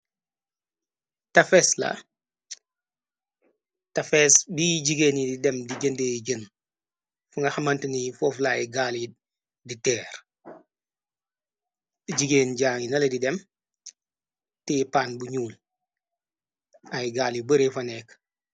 Tefes la, tefees bi jigéen yi di dem di jëndi yi jën fu nga xamanteni fof lay gal yi di tèèr, jigéen jaa ngi naleh di dem téy pan bu ñuul ay gal yu baree fa nèkka.